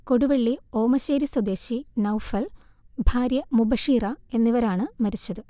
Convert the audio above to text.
കൊടുവളളി ഓമശ്ശേരി സ്വദേശി നൗഫൽ, ഭാര്യ മുബഷീറ എന്നിവരാണ് മരിച്ചത്